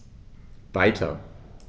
Weiter.